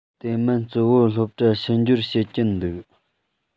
དེ མིན གཙོ བོ སློབ གྲྭར ཕྱི འབྱོར བྱེད ཀྱིན འདུག